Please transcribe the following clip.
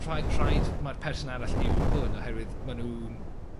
rhaid rhaid mae'r person arall yw hwn oherwydd ma' nw'n